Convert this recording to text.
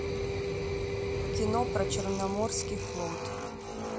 кино про черноморский флот